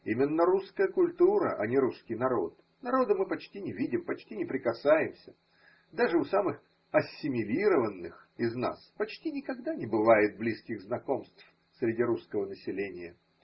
Именно русская культура, а не русский народ: народа мы почти не видим, почти не прикасаемся –даже у самых ассимилированных из нас почти никогда не бывает близких знакомств среди русского населения.